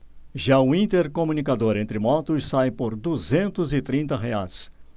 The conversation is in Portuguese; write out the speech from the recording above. já o intercomunicador entre motos sai por duzentos e trinta reais